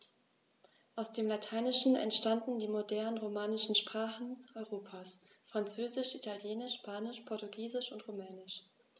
Aus dem Lateinischen entstanden die modernen „romanischen“ Sprachen Europas: Französisch, Italienisch, Spanisch, Portugiesisch und Rumänisch.